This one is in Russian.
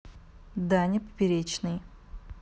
даня поперечный